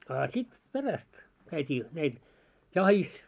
a sitten perästä käytiin näillä jahdissa